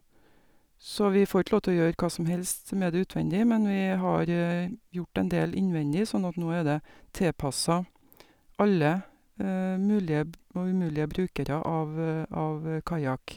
Så vi får ikke lov til å gjøre hva som helst med det utvendig, men vi har gjort en del innvendig, sånn at nå er det tilpassa alle mulige b og umulige brukere av av kajak.